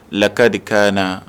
Laka de kaana